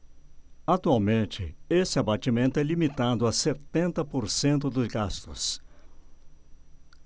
atualmente esse abatimento é limitado a setenta por cento dos gastos